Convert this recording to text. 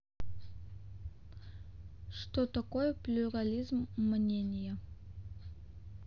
что такое плюрализм мнения